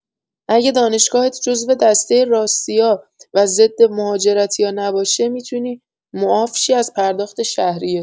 اگه دانشگاه‌ت جزو دسته راستیا و ضد مهاجرتیا نباشه می‌تونی معاف شی از پرداخت شهریه.